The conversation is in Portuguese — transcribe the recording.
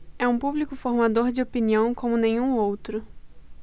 é um público formador de opinião como nenhum outro